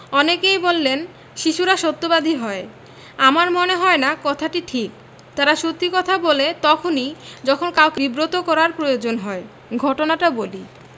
অনেকেই বললেন শিশুরা সত্যবাদী হয় আমার মনে হয় না কথাটা ঠিক তারা সত্যি কথা বলে তখনি যখন কাউকে বিব্রত করার প্রয়োজন হয় ঘটনাটা বলি